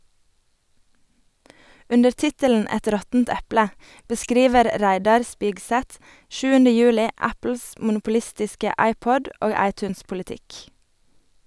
Under tittelen "Et råttent eple" beskriver Reidar Spigseth 7. juli Apples monopolistiske iPod- og iTunes-politikk.